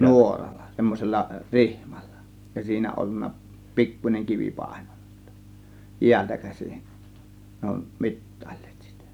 nuoralla semmoisella rihmalla ja siinä ollut pikkuinen kivi painona sitten jäältä käsin ne on mittailleet sitä